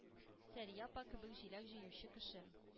Сәрия апа кебек җиләк җыючы кеше